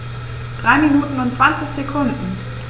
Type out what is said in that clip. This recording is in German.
3 Minuten und 20 Sekunden